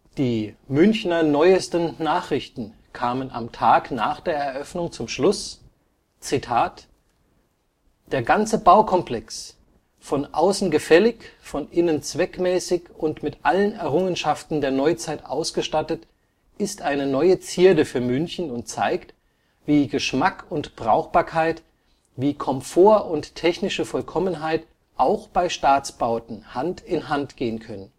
Die Münchner Neuesten Nachrichten kamen am Tag nach der Eröffnung zum Schluss: Der ganze Baukomplex, „ von außen gefällig, von innen zweckmäßig und mit allen Errungenschaften der Neuzeit ausgestattet, ist eine neue Zierde für München und zeigt, wie Geschmack und Brauchbarkeit, wie Komfort und technische Vollkommenheit auch bei Staatsbauten Hand in Hand gehen